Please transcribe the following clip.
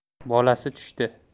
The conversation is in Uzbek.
bolasi tushdi